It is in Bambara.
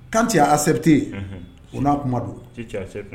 Quand tu as accepté o n'a kuma don, si tu as accepté